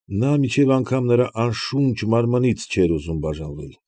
Նա մինչև անգամ նրա անշունչ մարմնից չէր ուզում բաժանվել։